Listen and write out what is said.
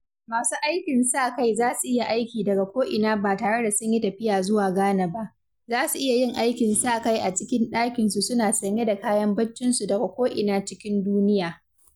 Masu aikin sa-kai za su iya aiki daga ko ina ba tare da sun yi tafiya zuwa Ghana ba; za su iya yin aikin sa-kai a cikin ɗakin su suna sanye da kayan baccin su daga ko'ina cikin duniya.